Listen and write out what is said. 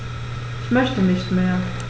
Ich möchte nicht mehr.